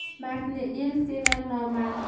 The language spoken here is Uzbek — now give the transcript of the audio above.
mardni el sevar